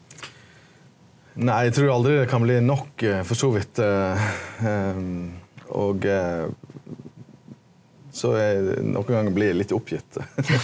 nei eg trur aldri det kan bli nok for so vidt og so nokon gonger blir eg litt oppgitt.